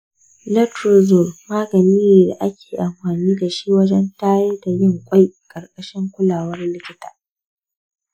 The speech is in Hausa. letrozole magani ne da ake amfani da shi wajen tayar da yin ƙwai ƙarƙashin kulawar likita.